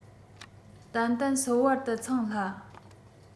ཏན ཏན སོ བར དུ འཚང སླ